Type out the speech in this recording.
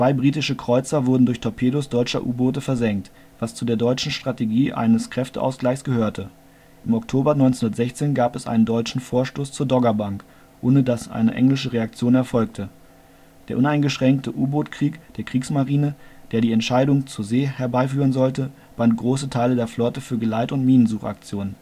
britische Kreuzer wurden durch Torpedos deutscher U-Boote versenkt, was zu der deutschen Strategie eines Kräfteausgleichs gehörte. Im Oktober 1916 gab es einen deutschen Vorstoß zur Doggerbank, ohne dass eine englische Reaktion erfolgte. Der uneingeschränkte U-Boot-Krieg der Kriegsmarine, der die Entscheidung zur See herbeiführen sollte, band große Teile der Flotte für Geleit - und Minensuchaktionen